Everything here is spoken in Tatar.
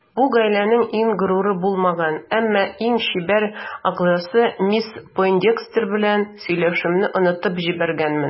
Бу гаиләнең иң горуры булмаган, әмма иң чибәр әгъзасы мисс Пойндекстер белән сөйләшүемне онытып җибәргәнмен.